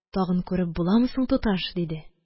Тагын күреп буламы соң, туташ? – диде.